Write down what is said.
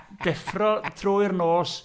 Deffro trwy'r nos...